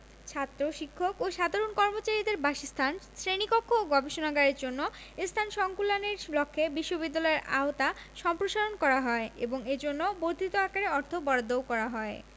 ছাত্র শিক্ষক ও সাধারণ কর্মচারীদের বাসস্থান শ্রেণীকক্ষ ও গবেষণাগারের জন্য স্থান সংকুলানের লক্ষ্যে বিশ্ববিদ্যালয়ের আওতা সম্প্রসারণ করা হয় এবং এজন্য বর্ধিত আকারে অর্থ বরাদ্দও করা হয়